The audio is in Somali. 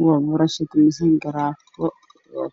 Meeshan waa Kafateeriyaa waxaa